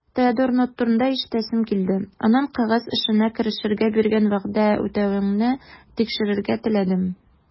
Теодор Нотт турында ишетәсем килде, аннан кәгазь эшенә керешергә биргән вәгъдә үтәвеңне тикшерергә теләдем.